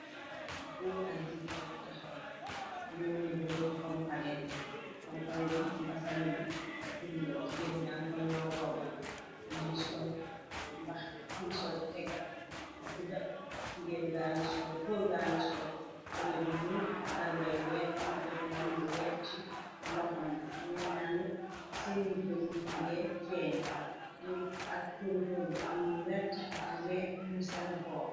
Góor ak jigéen bu taxaw la ñoo niru kompaler yi kompaler yi mba señ bi bulula jigeen ngaan konon ropba ngi sol e egóor ga ngi sol lonet yu ñuul ak dallay weex mu gi def lam bu weex ci loxam bi nyum ñyaari yep seni bëñ mu ngee feeñ nit ak tontoor bu am lu weetta ak lu weex mu seen boor.